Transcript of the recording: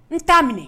N t'a minɛ